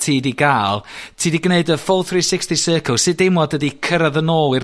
ti 'di ga'l, ti 'di gneud y full thre sixty circle, sud deimlad ydi cyrradd yn ôl i'r